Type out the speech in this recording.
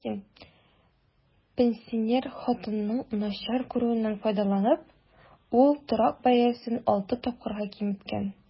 Ләкин, пенсинер хатынның начар күрүеннән файдаланып, ул торак бәясен алты тапкырга киметкән.